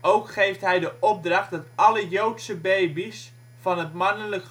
Ook geeft hij de opdracht dat alle Joodse baby 's van het mannelijk